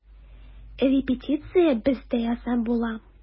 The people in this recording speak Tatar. Репетиция бездә ясап була.